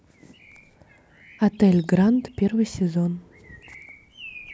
отель гранд первый сезон